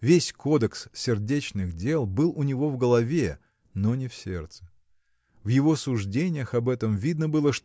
Весь кодекс сердечных дел был у него в голове, но не в сердце. В его суждениях об этом видно было